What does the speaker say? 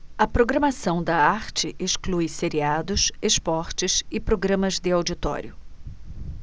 a programação da arte exclui seriados esportes e programas de auditório